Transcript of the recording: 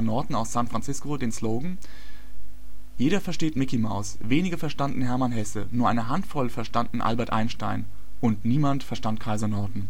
Norton aus San Francisco den Slogan: Jeder versteht Mickey Mouse. Wenige verstanden Hermann Hesse. Nur eine Handvoll verstanden Albert Einstein. Und niemand verstand Kaiser Norton.